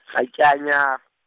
ga ke a nya.